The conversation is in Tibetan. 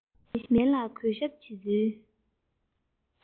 མི གཞན ལ གུས ཞབས བྱེད ཚུལ